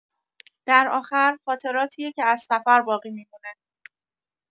در آخر، خاطراتیه که از سفر باقی می‌مونه.